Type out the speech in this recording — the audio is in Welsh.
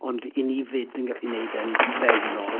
Ond 'y ni 'fyd yn gallu wneud e'n fewnol.